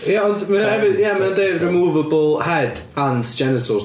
Ia ond mae o hefyd... ia ma' o'n deud removable head and genitals.